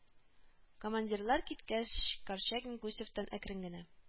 Командирлар киткәч, Корчагин Гусевтан әкрен генә: